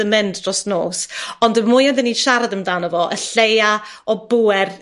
yn mynd dros nos, ond y mwya 'dyn ni'n siarad amdano fo, y lleia o bŵer